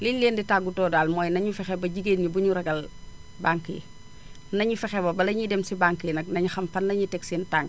li énu leen di tàggatoo daal mooy nañu fexe ba jigéen énu buñu ragal banque yi naénu fexe ba bala ñuy dem si banque yi nag nañu xam fan la énuy teg seen tànk